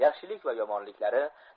yaxshilik va yomonliklari